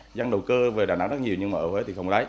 dân đầu cơ về đà nẵng rất nhiều nhưng mà ở huế thì không lấy